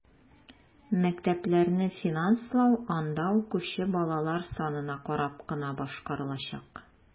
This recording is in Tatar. Мәктәпләрне финанслау анда укучы балалар санына карап кына башкарылачак.